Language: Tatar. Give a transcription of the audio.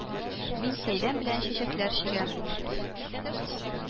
Мин сәйлән белән чәчәкләр чигәм